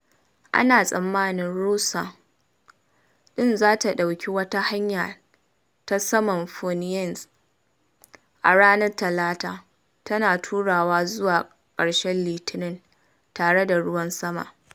Ana tsammanin Rosa ɗin za ta ɗauki wata hanya ta saman Phoenix a ranar Talata, tana turawa zuwa ƙarshen Litinin tare da ruwan sama.